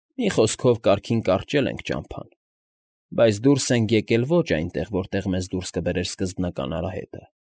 Մի խոսքով կարգին կարճել ենք ճամփան, բայց դուրս ենք եկել ոչ այնտեղ, որտեղ մեզ դուրս կբերեր սկզբնական արահետը։